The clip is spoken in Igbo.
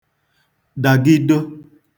dàgido